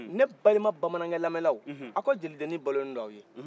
ne balima bamanankan lamɛlaw aw ka jelidenin balo don aw ye